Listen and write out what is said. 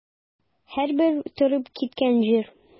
Һәрбер торып киткән җир.